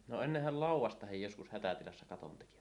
no ennenhän laudastakin joskus hätätilassa katon tekivät